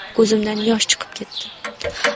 ko'zimdan yosh chiqib ketdi